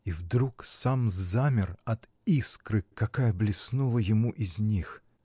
И вдруг сам замер от искры, какая блеснула ему из них.